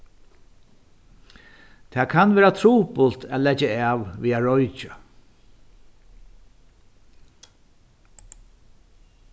tað kann vera trupult at leggja av við at roykja